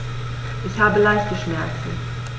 Ich habe leichte Schmerzen.